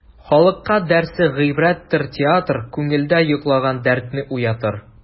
Халыкка дәрсе гыйбрәттер театр, күңелдә йоклаган дәртне уятыр.